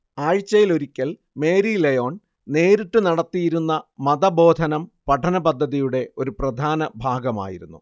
ആഴ്ചയിലൊരിക്കൽ Mary Lyon നേരിട്ടു നടത്തിയിരുന്ന മതബോധനം പഠനപദ്ധതിയുടെ ഒരു പ്രധാന ഭാഗമായിരുന്നു